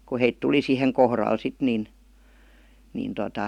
kun he tuli siihen kohdalle sitten niin niin tuota